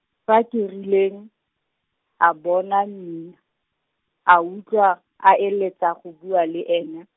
fa Kerileng, a bona Mmina, a utlwa, a eletsa go bua le ene.